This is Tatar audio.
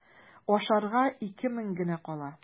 Ашарга ике мең генә кала.